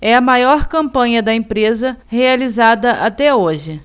é a maior campanha da empresa realizada até hoje